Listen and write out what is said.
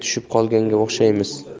tushib qolganga o'xshaymiz